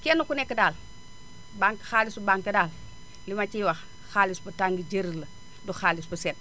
kenn ku nekk daal banque xaalisu banque daal li ma ciy wax xaalis bu tàng jër la du xaalis bu sedd